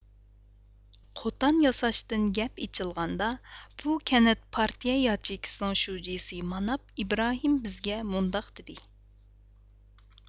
قوتان ياساشتىن گەپ ئېچىلغاندا بۇ كەنت پارتىيە ياچېيكىسىنىڭ شۇجىسى ماناپ ئىبراھىم بىزگە مۇنداق دېدى